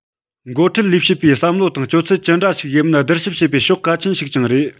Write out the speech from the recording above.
འགོ ཁྲིད ལས བྱེད པའི བསམ བློ དང སྤྱོད ཚུལ ཅི འདྲ ཞིག ཡིན པར བསྡུར ཞིབ བྱེད པའི ཕྱོགས གལ ཆེན ཞིག ཀྱང རེད